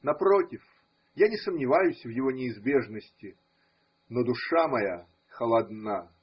Напротив, я не сомневаюсь в его неизбежности. Но душа моя холодна.